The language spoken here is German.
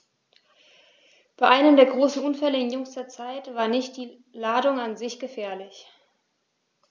Bei einem der großen Unfälle in jüngster Zeit war nicht die Ladung an sich gefährlich.